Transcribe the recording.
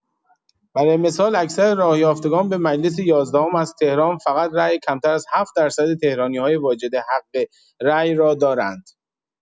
برای مثال، اکثر راۀافتگان به مجلس یازدهم از تهران فقط رای کمتر از ۷ درصد تهرانی‌های واجد حق رای را دارند.